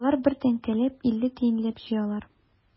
Алар бер тәңкәләп, илле тиенләп җыялар.